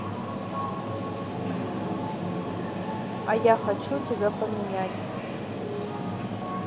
а я хочу тебя поменять